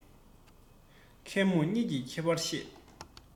མཁས རྨོངས གཉིས ཀྱི ཁྱད པར ཤེས